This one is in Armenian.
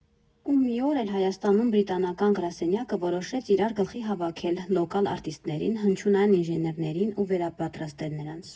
Ու մի օր էլ Հայաստանում Բրիտանական գրասենյակը որոշեց իրար գլխի հավաքել լոկալ արտիստներին, հնչյունային ինժեներներին ու վերապատրաստել նրանց։